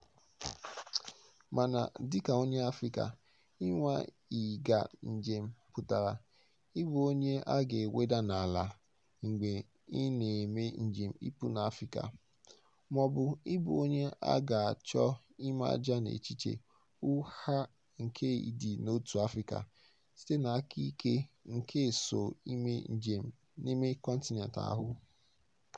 Mana, dịka onye Afrịka, ịnwa ịga njem pụtara ịbụ onye a ga-eweda n'ala mgbe ị na-eme njem ịpụ n'Afrịka — mọọbụ ịbụ onye a ga-achọ ịmaja n'echiche ụgha nke ịdị n'otu Afrịka site n'aka ike nke so ime njem n'ime kọntinent ahụ.